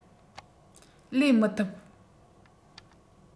ལས མི ཐུབ